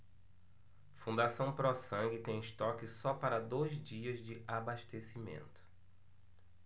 fundação pró sangue tem estoque só para dois dias de abastecimento